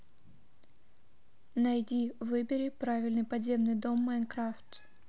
найди выбери правильный подземный дом майнкрафт